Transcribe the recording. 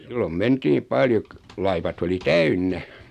silloin mentiin paljon - laivat oli täynnä